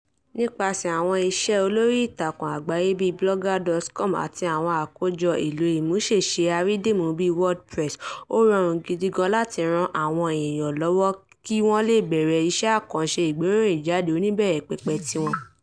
Nípasẹ̀ àwọn iṣẹ́ olórí-ìtakùn àgbáyé bíi Blogger.com àti àwọn àkójọ èlò ìmúṣẹ́ṣe àìrídìmú bíi WordPress, ó rọrùn gidi gan láti ran àwọn èèyàn lọ́wọ́ kí wọ́n lè bẹ̀rẹ̀ iṣẹ́ àkànṣe ìgbéròyìnjáde oníbẹ̀rẹ̀pẹ̀pẹ̀ tiwọn.